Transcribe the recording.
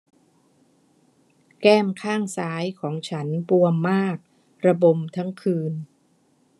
แก้มข้างซ้ายของฉันบวมมากระบมทั้งคืน